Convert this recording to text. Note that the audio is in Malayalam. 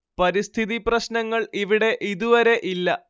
പരിസ്ഥിതി പ്രശ്നങ്ങൾ ഇവിടെ ഇതുവരെ ഇല്ല